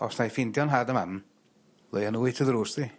os 'nai ffeindio'n nhad a mam leia n'w i dy ddrws 'di.